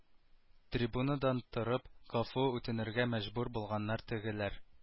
Трибунадан торып гафу үтенергә мәҗбүр булганнар тегеләр